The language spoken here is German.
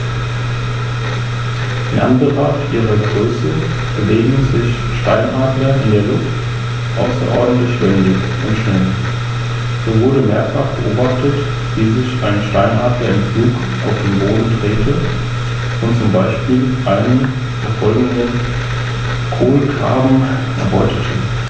Grundfarbe des Gefieders ist ein einheitliches dunkles Braun.